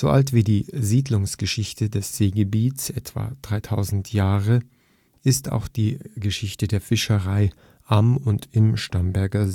alt wie die Siedlungsgeschichte des Seegebietes, etwa 3.000 Jahre, ist auch die Geschichte der Fischerei am und im Starnberger